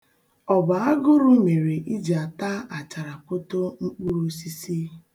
Ọ bụ agụrụ mere iji ata acharakwoto mkpụrụosisi?